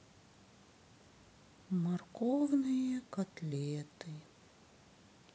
морковные котлеты